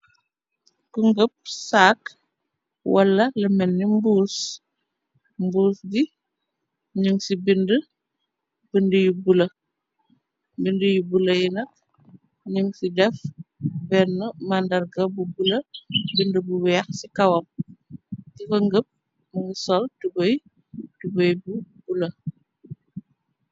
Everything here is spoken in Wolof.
Ku ngëpp saak wala lemelni mbuus gi nun ci bindi yu bula bindi yu bula. Yi nak nun ci def benn màndarga bu bula bind bu weex. Ci kawam di ko ngëpp mu ngi sol tubey tubey bu bula.